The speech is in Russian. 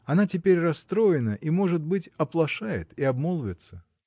Она теперь расстроена и — может быть — оплошает и обмолвится.